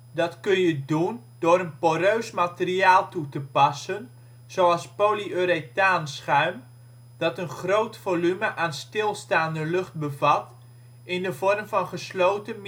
Dat kun je doen door een poreus materiaal toe te passen, zoals polyurethaanschuim, dat een groot volume aan stilstaande lucht bevat in de vorm van gesloten